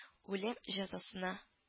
Үлем җәзасына